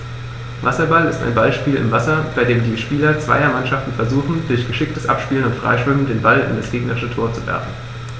Wasserball ist ein Ballspiel im Wasser, bei dem die Spieler zweier Mannschaften versuchen, durch geschicktes Abspielen und Freischwimmen den Ball in das gegnerische Tor zu werfen.